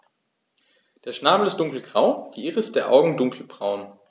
Der Schnabel ist dunkelgrau, die Iris der Augen dunkelbraun.